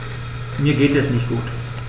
Mir geht es nicht gut.